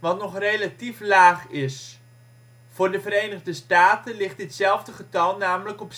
nog relatief laag is: voor de Verenigde Staten ligt ditzelfde getal namelijk op